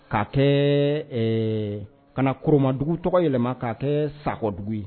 Ka kɛ ka koromadugu tɔgɔ yɛlɛma kaa kɛ sakɔdugu ye